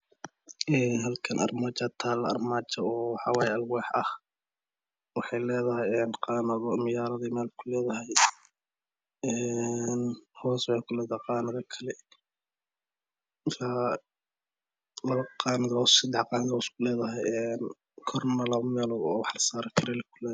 Halkaan armaaja taalo armaajo alwaax ah waxiina ledahay qaanado muyardii meel ku ledahy hoos waxey ku leedahy qaadana kale lapo qadanood ilaa sadax qandoon ku leedahy Koro lapo mee oo wax lasaaran karo ku leedahy